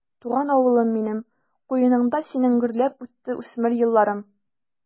Туган авылым минем, куеныңда синең гөрләп үтте үсмер елларым.